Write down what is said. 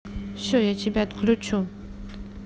все я тебя отключу